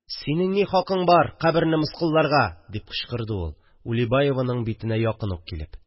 – синең ни хакың бар каберне мыскылларга? – дип кычкырды ул, улибаеваның битенә якын ук килеп